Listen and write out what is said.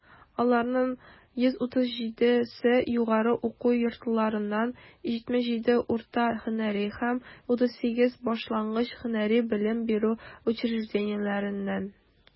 Аларның 137 се - югары уку йортларыннан, 77 - урта һөнәри һәм 38 башлангыч һөнәри белем бирү учреждениеләреннән.